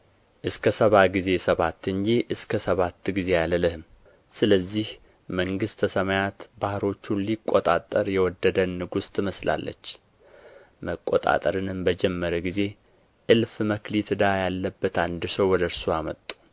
እስከ ሰባ ጊዜ ሰባት እንጂ እስከ ሰባት ጊዜ አልልህም ስለዚህ መንግሥተ ሰማያት ባሮቹን ሊቈጣጠር የወደደን ንጉሥ ትመስላለች መቈጣጠርም በጀመረ ጊዜ እልፍ መክሊት ዕዳ ያለበትን አንድ ሰው ወደ እርሱ አመጡ